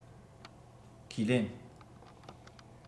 ཁས ལེན